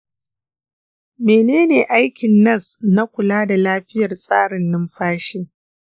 mene ne aikin nas na kula da lafiyar tsarin numfashi?